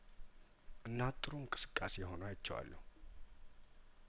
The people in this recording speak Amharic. እና ጥሩ እንቅስቃሴ ሆኖ አይቼዋለሁ